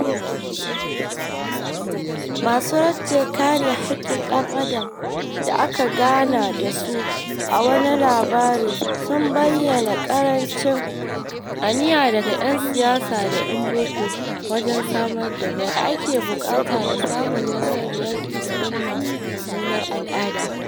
Masu rajin kare haƙƙin ɗan adam da aka gana da su a wannan labari sun bayyana ƙarancin aniya daga 'yan siyasa da 'yan boko wajen samar da yanayin da ake buƙata a samu nasarar yaƙi da wannan mummunar al'ada.